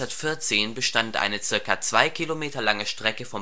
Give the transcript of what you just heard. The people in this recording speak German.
1914 bestand eine circa zwei Kilometer lange Strecke